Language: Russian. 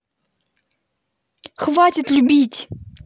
хватит любить